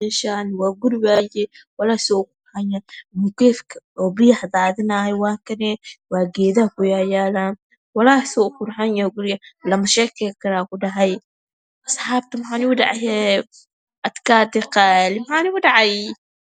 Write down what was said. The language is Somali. Meshaan wa guri waaje walahi suu uqurxanyahy mukeefka oo biyaha dadinayo waa kanee waa geedaha ku yayalan waa kane walahi suu uqurxan yahy lagama sheekeen karaa ku dhahy asxaapta maxaa nigu dhaca hee adkaate qali maxaa nigu dhacay